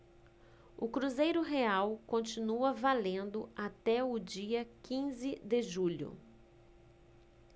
o cruzeiro real continua valendo até o dia quinze de julho